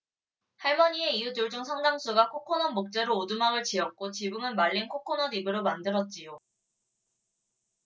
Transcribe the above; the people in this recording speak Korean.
할머니의 이웃들 중 상당수가 코코넛 목재로 오두막을 지었고 지붕은 말린 코코넛 잎으로 만들었지요